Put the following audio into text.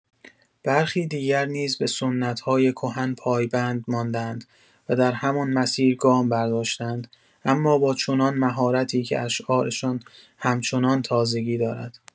برخی دیگر نیز به سنت‌های کهن پایبند ماندند و در همان مسیر گام برداشتند، اما با چنان مهارتی که اشعارشان همچنان تازگی دارد.